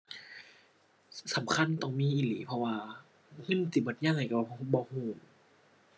สำคัญต้องมีอีหลี เพราะว่าเงินสิเบิดยามใดก็บ่ บ่ก็